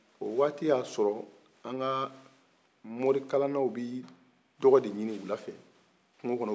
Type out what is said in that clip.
o waati y'a sɔrɔ an ka morikalannaw bɛ dɔgɔ de ɲini wula fɛ kungo kɔnɔ